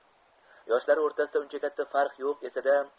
yoshlari o'rtasida uncha katta farq yo'q esa da